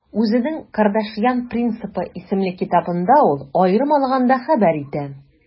Үзенең «Кардашьян принципы» исемле китабында ул, аерым алганда, хәбәр итә: